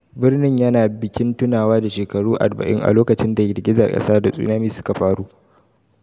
Birnin yana bikin tunawa da shekaru 40 a lokacin da girgizar kasa da tsunami suka fara.